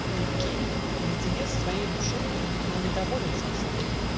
но Евгений Наедине с своей душой Был недоволен сам собой.